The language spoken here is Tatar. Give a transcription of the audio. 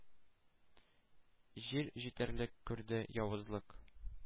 Җир җитәрлек күрде «явызлык».